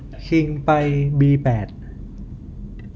คิงไปบีแปด